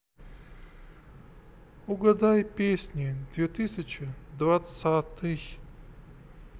угадай песни две тысячи двадцатый